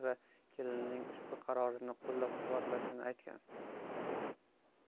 va kelinining ushbu qarorini qo'llab quvvatlashini aytgan